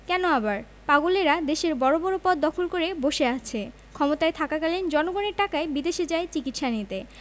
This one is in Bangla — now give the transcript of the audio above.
কেন আবার পাগলেরা দেশের বড় বড় পদ দখল করে বসে আছে ক্ষমতায় থাকাকালীন জনগণের টাকায় বিদেশে যায় চিকিৎসা নিতে